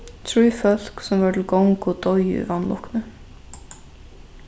trý fólk sum vóru til gongu doyðu í vanlukkuni